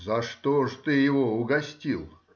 — За что же ты его угостил?